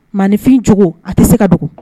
Mafin cogo a tɛ se ka dogo